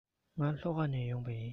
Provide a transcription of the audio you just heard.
ང ལྷོ ཁ ནས ཡོང པ ཡིན